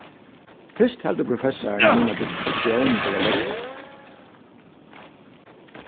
fyrst heldur professarin mína dispositión vera løgna